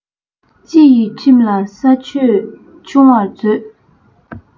སྤྱི ཡི ཁྲིམས ལ ས ཆོད ཆུང བར མཛོད